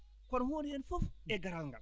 hono hon heen fof e garal ngal